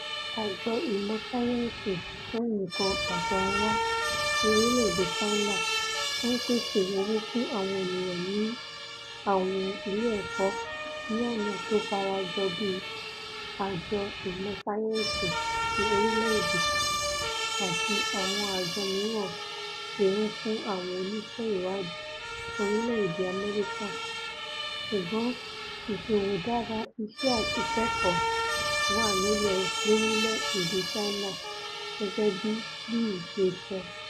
Àjọ Ìmọ̀ Sáyẹ́ńsì fún Nǹkan Àtọ̀runwá ti orílẹ̀-èdè Ṣáínà ńpèsè owó fún àwọn ènìyàn ní àwọn ilé ẹ̀kọ́ ní ọ̀nà tó farajọ bí Àjọ Ìmọ̀ Sáyẹ́ńsì ti orílẹ̀-èdè àti àwọn àjọ mìíràn ṣe ńfún àwọn oníṣẹ́-ìwáàdí orílẹ̀-èdè U.S., ṣùgbọ́n ìṣọwọ́dára iṣẹ́ ìkẹ́kọ̀ọ́ wá nílẹ̀ lorílẹ̀-èdè Ṣáínà, gẹ́gẹ́ bíi Lee ṣe sọ.